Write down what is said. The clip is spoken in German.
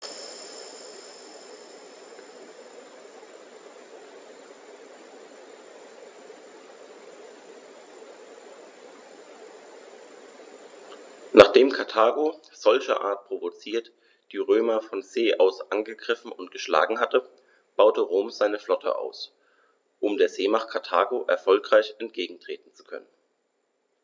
Nachdem Karthago, solcherart provoziert, die Römer von See aus angegriffen und geschlagen hatte, baute Rom seine Flotte aus, um der Seemacht Karthago erfolgreich entgegentreten zu können.